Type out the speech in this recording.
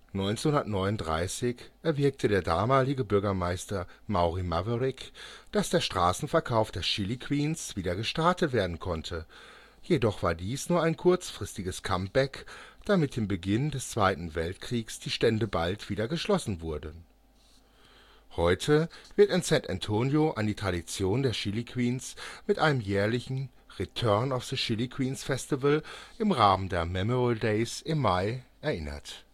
1939 erwirkte der damalige Bürgermeister Maury Maverick, dass der Straßenverkauf der Chiliqueens wieder gestartet werden konnte, jedoch war dies nur ein kurzfristiges Comeback, da mit dem Beginn des Zweiten Weltkriegs die Stände bald wieder geschlossen wurden. Heute wird in San Antonio an die Tradition der Chiliqueens mit einem jährlichen Return of the Chili Queens Festival im Rahmen der Memorial Days im Mai erinnert